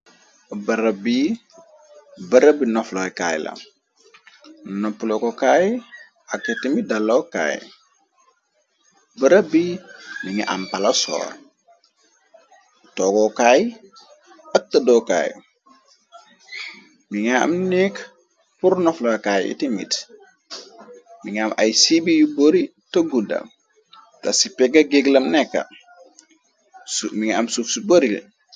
Bereb bi bereb bi noflokaay la, nopplo ko kaay akiti mi dalookaay. Bereb bi mi nga am pala soor, toogo kaay ak tadookaay. Minga am nekk pur noflokaay itimit, bi nga am ay siibi yu boori tëggudda, ta ci pega géglam nekka minga am suf ci boori deh.